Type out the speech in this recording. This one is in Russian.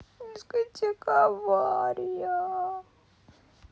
дискотека авария